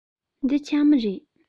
འདི ཕྱགས མ རེད